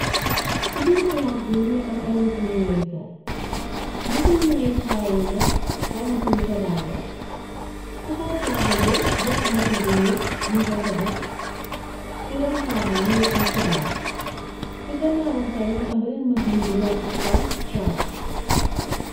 Si biir palas bi mingi am ay masini nyawekaay, masini nyawekaay yi nak, ay pikal si kaw tabaal bi, boppu masin bu nyuul mung fa tegge, si ronni tabuul bi mingi am petal, si gannaawam tamit mingi am masin bu neka si